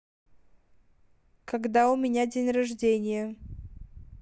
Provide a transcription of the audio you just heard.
когда у меня день рождения